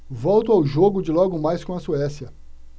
volto ao jogo de logo mais com a suécia